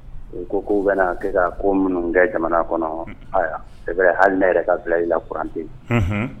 U ko k' u bɛna kɛ ka ko minnukɛ jamana kɔnɔ ayiwa e hali ne yɛrɛ ka fila i lauranrante ye